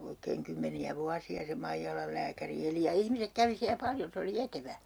oikein kymmeniä vuosia se Maijalan lääkäri eli ja ihmiset kävi siellä paljon se oli etevä